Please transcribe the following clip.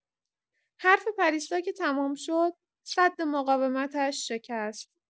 حرف پریسا که تمام شد، سد مقاومتش شکست.